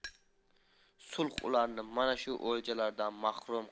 sulh ularni mana shu o'ljalardan mahrum